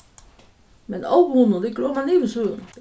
men óhugnin liggur oman yvir søguna